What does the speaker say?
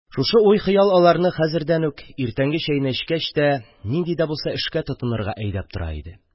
Шушы уй-хыял аларны хәзердән үк, иртәнге чәйне эчкәч тә, нинди дә булса эшкә тотынырга әйдәп тора иде.